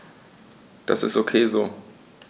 Das ist ok so.